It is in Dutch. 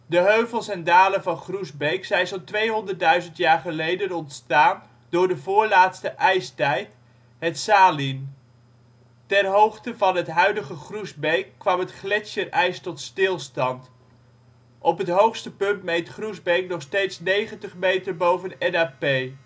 heuvels en dalen van Groesbeek zijn zo 'n 200.000 jaar geleden ontstaan door de voorlaatste ijstijd, het Saalien. Ter hoogte van het huidige Groesbeek kwam het gletsjerijs tot stilstand. Op het hoogste punt meet Groesbeek nog steeds 90 meter boven het NAP. De